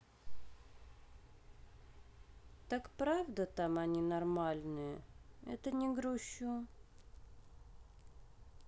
так правда там они нормальные это не грущу